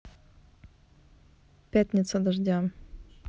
пятница дождя